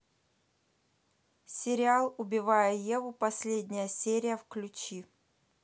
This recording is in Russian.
сериал убивая еву последняя серия включи